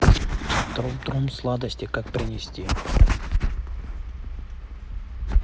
трум трум сладости как принести